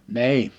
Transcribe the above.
niin